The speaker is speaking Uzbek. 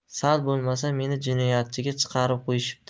sal bo'lmasa meni jinoyatchiga chiqarib qo'yishibdi